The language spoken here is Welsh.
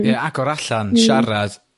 Ia agor allan siarad